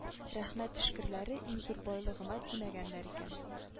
Рәхмәт төшкерләре иң зур байлыгыма тимәгәннәр икән